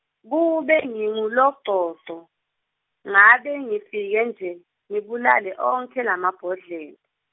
kube nginguLogcogco, ngabe ngifike nje, ngibulale onkhe lamabhodlela.